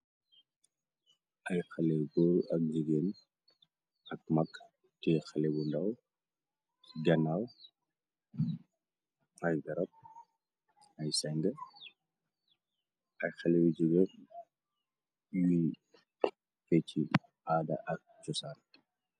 Ay xele góoru ak jégeen ak mag te xele bu ndaw. Ganaaw ay garab ay sayng ay xele yu jegar yuy feci aada ak cosaan.